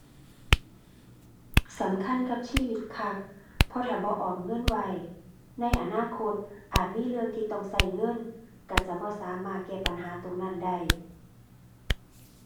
สำคัญกับชีวิตคัก เพราะถ้าบ่ออมเงินไว้ ในอนาคตอาจมีเรื่องที่ต้องใช้เงิน ใช้จะบ่สามารถแก้ปัญหาตรงนั้นได้